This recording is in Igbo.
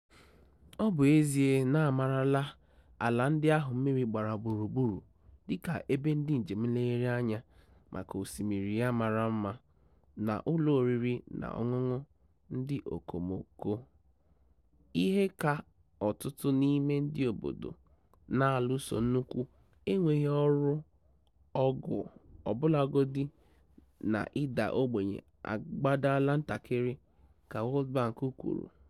Ọ bụ ezie na a maara ala ndị ahụ mmiri gbara gburugburu dịka ebe ndị njem nlegharị anya maka osimiri ya mara mma na ụlọ oriri na ọṅụṅụ ndị okomoko, ihe ka ọtụtụ n'ime ndị obodo na-alụso nnukwu enweghị ọrụ ọgụ ọbụlagodi na ịda ogbenye agbadala ntakịrị, ka World Bank kwuru.